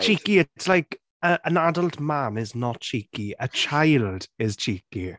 Cheeky, it's like an adult man is not cheeky. A child is cheeky.